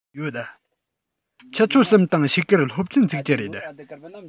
ཡོད ཆུ ཚོད གསུམ དང ཕྱེད ཀར སློབ ཚན ཚུགས ཀྱི རེད